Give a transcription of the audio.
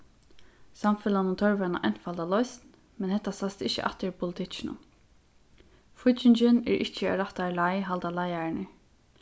samfelagnum tørvar eina einfalda loysn men hetta sæst ikki aftur í politikkinum fíggingin er ikki á rættari leið halda leiðararnir